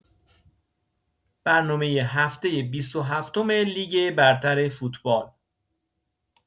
برنامه هفته بیست و هفتم لیگ برتر فوتبال